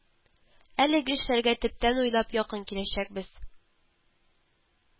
Әлеге эшләргә төптән уйлап якын киләчәкбез